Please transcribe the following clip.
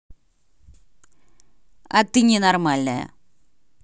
а ты ненормальная